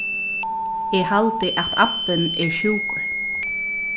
eg haldi at abbin er sjúkur